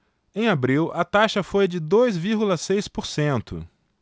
em abril a taxa foi de dois vírgula seis por cento